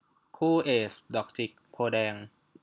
คู่เอซดอกจิกโพธิ์แดง